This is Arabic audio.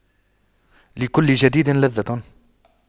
لكل جديد لذة